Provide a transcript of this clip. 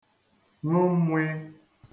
ṅụ mmụị